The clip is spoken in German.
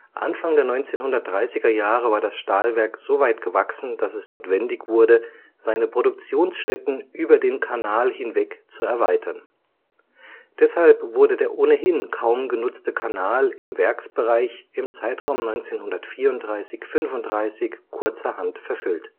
Anfang der 1930er Jahre war das Stahlwerk so weit gewachsen, dass es notwendig wurde, seine Produktionsstätten über den Kanal hinweg zu erweitern. Deshalb wurde der ohnehin kaum genutzte Kanal im Werksbereich im Zeitraum 1934 / 35 kurzerhand verfüllt